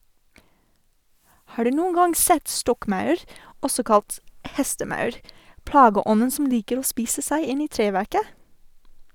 Har du noen gang sett stokkmaur, også kalt hestemaur, plageånden som liker å spise seg inn i treverket?